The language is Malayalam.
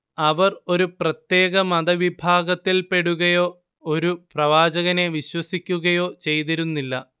അവർ ഒരു പ്രത്യേക മതവിഭാഗത്തിൽപ്പെടുകയോ ഒരു പ്രവാചകനെ വിശ്വസിക്കുകയോ ചെയ്തിരുന്നില്ല